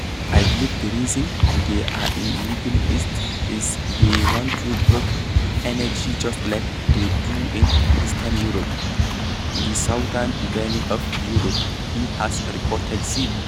"I believe the reason they are in the Middle East is they want to broker energy just like they do in eastern Europe, the southern belly of Europe," he has reportedly said.